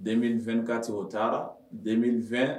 2024 o taara 2020